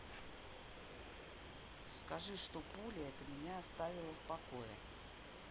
скажи что пуля это меня оставила в покое